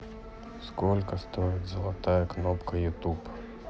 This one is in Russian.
сколько стоит золотая кнопка ютуб